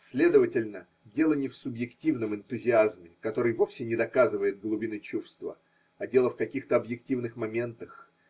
Следовательно, дело не в субъективном энтузиазме, который вовсе не доказывает глубины чувства, а дело в каких-то объективных моментах.